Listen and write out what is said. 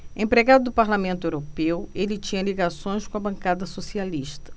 empregado do parlamento europeu ele tinha ligações com a bancada socialista